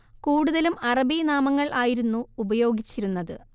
കൂടുതലും അറബി നാമങ്ങൾ ആയിരുന്നു ഉപയോഗിച്ചിരുന്നത്